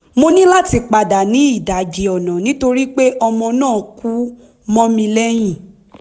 "Mo ní láti padà ní ìdajì ọ̀nà nítorí pé ọmọ náà kú mọ́ mi lẹ́yìn."